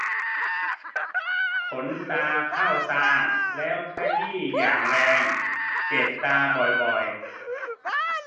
ขนตาเข้าตาแล้วขยี้อย่างแรงเจ็บตาบ่อยบ่อย